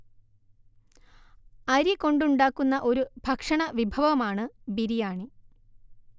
അരി കൊണ്ടുണ്ടാക്കുന്ന ഒരു ഭക്ഷണ വിഭവമാണ് ബിരിയാണി